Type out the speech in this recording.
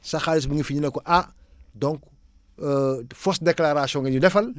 sa xaalis mu ngi fi ñu ne ko ah donc fausse déclaration nga ñu defal